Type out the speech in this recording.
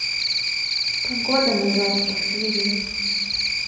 погода на завтра в твери